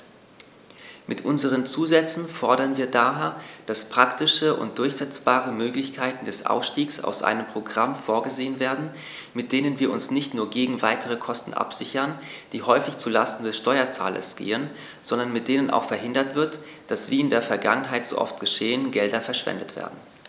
Mit unseren Zusätzen fordern wir daher, dass praktische und durchsetzbare Möglichkeiten des Ausstiegs aus einem Programm vorgesehen werden, mit denen wir uns nicht nur gegen weitere Kosten absichern, die häufig zu Lasten des Steuerzahlers gehen, sondern mit denen auch verhindert wird, dass, wie in der Vergangenheit so oft geschehen, Gelder verschwendet werden.